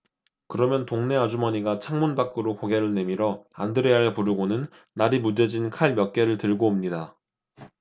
그러면 동네 아주머니가 창문 밖으로 고개를 내밀어 안드레아를 부르고는 날이 무뎌진 칼 몇 개를 들고 옵니다